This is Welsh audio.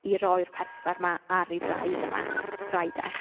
I roi'r persawr 'ma ar ei draed yma... draed e.